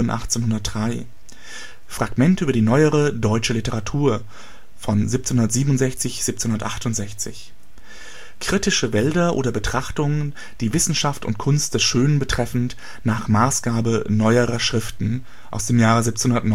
1803) Fragmente über die neuere deutsche Literatur 1767 / 68 Kritische Wälder oder Betrachtungen, die Wissenschaft und Kunst des Schönen betreffend, nach Maßgabe neuerer Schriften 1769